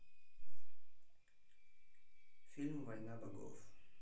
фильм война богов